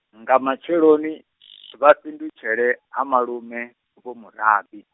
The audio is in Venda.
nga matsheloni, vha fhindutshele, ha malume, Vho Murabi.